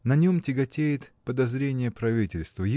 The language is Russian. На нем тяготеет подозрение правительства.